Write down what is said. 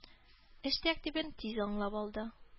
Эш тәртибен тиз аңлап алды.